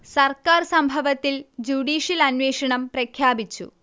സർക്കാർ സംഭവത്തിൽ ജുഡീഷ്യൽ അന്വേഷണം പ്രഖ്യാപിച്ചു